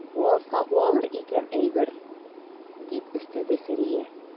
Уалса уалыр икән әйбер, - дип өстәде Сәрия.